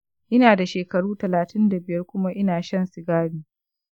ina da shekaru talatin da biyar kuma ina shan sigari.